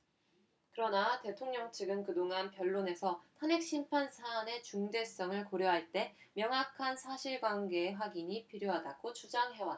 그러나 대통령 측은 그동안 변론에서 탄핵심판 사안의 중대성을 고려할 때 명확한 사실관계 확인이 필요하다고 주장해왔다